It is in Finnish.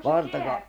-